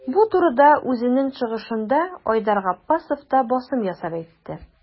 Бу турыда үзенең чыгышында Айдар Габбасов та басым ясап әйтте.